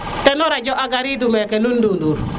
te no rajo garidu meke lul nɗundur